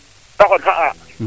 te xon xa'a